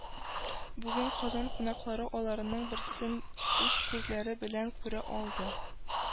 Бүген Казан кунаклары аларның берсен үз күзләре белән күрә алды